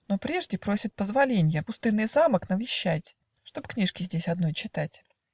Но прежде просит позволенья Пустынный замок навещать, Чтоб книжки здесь одной читать.